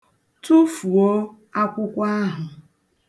Tụfuo akwụkwọ ahụ.